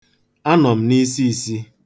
Anọ m n'isiisi.